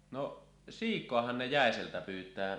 no siikaahan ne jäiseltä pyytää